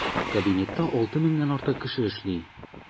Комбинатта 6 меңнән артык кеше эшли.